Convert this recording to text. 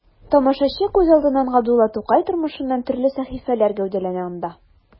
Тамашачы күз алдында Габдулла Тукай тормышыннан төрле сәхифәләр гәүдәләнә анда.